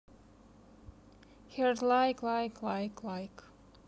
heart like like like like